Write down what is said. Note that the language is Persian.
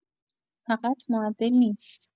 فقط معدل نیست